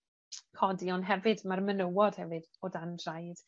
codi on' hefyd ma'r menywod hefydd o dan draed.